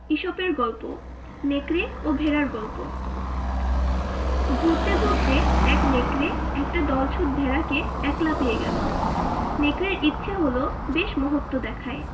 ইসপের গল্প নেকড়ে ও ভেড়ার গল্প ঘুরতে ঘুরতে এক নেকড়ে একটা দলছুট ভেড়াকে একলা পেয়ে গেল নেকড়ের ইচ্ছে হল বেশ মহত্ব দেখায়